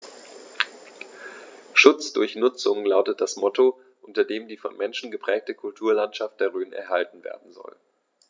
„Schutz durch Nutzung“ lautet das Motto, unter dem die vom Menschen geprägte Kulturlandschaft der Rhön erhalten werden soll.